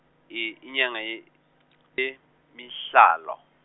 e- inyanga e emihlalo.